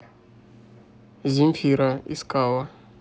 земфира искала